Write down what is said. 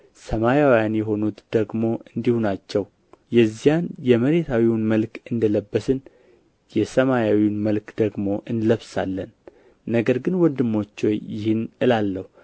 ሰማያውያን የሆኑት ደግሞ እንዲሁ ናቸው የዚያንም የመሬታዊውን መልክ እንደ ለበስን የሰማያዊውን መልክ ደግሞ እንለብሳለን ነገር ግን ወንድሞች ሆይ ይህን እላለሁ